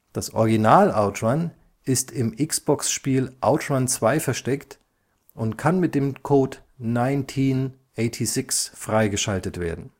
Das original Out Run ist im XBox-Spiel Out Run 2 versteckt und kann mit dem Code NINETEEN86 freigeschaltet werden